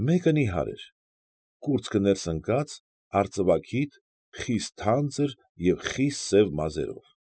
Մեկը նիհար էր, կուրծքը ներս ընկած, արծվաքիթ, խիստ թանձր և խիստ սև մազերով։